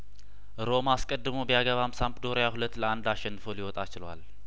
ሮማ አስቀድሞ ቢያገባም ሳምፕዶሪያ ሁለት ለአንድ አሸንፎ ሊወጣ ችሏል